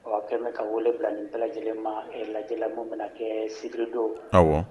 Ɔ kɛlen bɛ ka wolo bila ni bala lajɛlen ma lajɛ min min kɛ sigiri don